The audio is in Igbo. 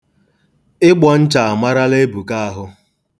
Ịgbọ ncha amarala Ebuka ahụ.